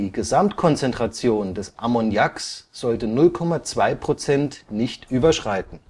Gesamtkonzentration des Ammoniaks sollte 0,2 % nicht überschreiten